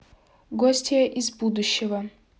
гостья из будущего